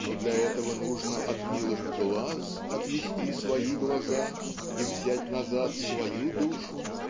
но для этого нужно от милых глаз отвести свои глаза и взять назад свою душу